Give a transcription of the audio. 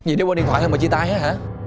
vì để quên điện thoại thôi mà chia tay á hả